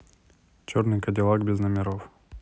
черный кадиллак без номеров